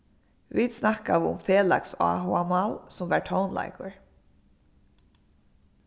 vit snakkaðu um felags áhugamál sum var tónleikur